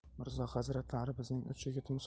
mirzo hazratlari bizning uch yigitimiz